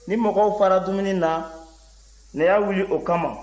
ni mɔgɔw fara dumuni na ne y'a wuli o kama